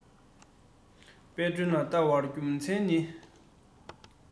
དཔལ སྒྲོན ལ བལྟ བར རྒྱུ མཚན ནི